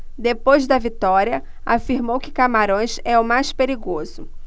depois da vitória afirmou que camarões é o mais perigoso